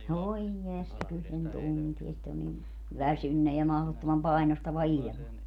voi jestas kyllä sen tuntee sitä on niin väsynyt ja mahdottoman painostava ilma